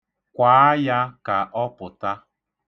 Kwaa ya ka ọ pụta.